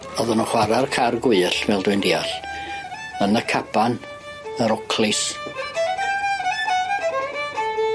Oddan nw'n chwara'r car gwyllt fel dwi'n deall yn y caban, yr Oakleys.